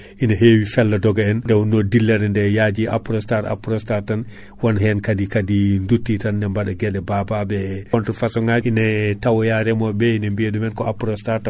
ina hewi fella doga en nde wonno dillere nde yaaji Aprostar ,Aprostar tan won hen kaadi kaadi dutti tan ne ɓaɗa gueɗe babaɓe holto façon ŋaji ene tawoya reemoɓeɓe ene biya ɗumen ko Aprostar